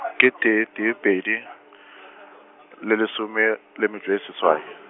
ke tee tee pedi , le lesome, le metšo e seswai.